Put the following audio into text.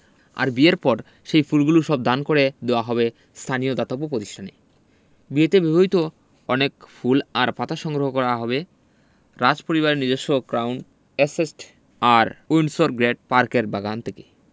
আর বিয়ের পর সেই ফুলগুলো সব দান করে দেওয়া হবে স্থানীয় দাতব্য প্রতিষ্ঠানে বিয়েতে ব্যবহৃত অনেক ফুল আর পাতা সংগ্রহ করা হবে রাজপরিবারের নিজস্ব ক্রাউন এস্টেট আর উইন্ডসর গ্রেট পার্কের বাগান থেকে